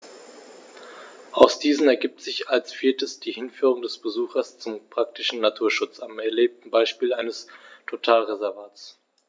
Aus diesen ergibt sich als viertes die Hinführung des Besuchers zum praktischen Naturschutz am erlebten Beispiel eines Totalreservats.